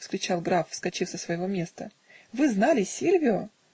-- вскричал граф, вскочив со своего места; -- вы знали Сильвио?